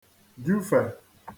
jufè